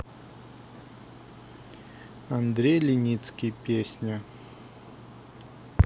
андрей леницкий песня